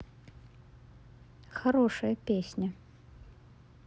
i surrender песня